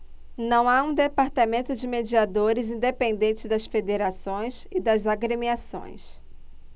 não há um departamento de mediadores independente das federações e das agremiações